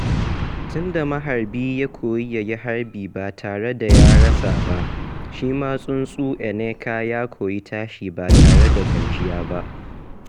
Tun da maharbi ya koyi ya yi harbi ba tare da rasawa ba, shi ma tsuntsu Eneke ya koyi tashi ba tare da kwanciya ba.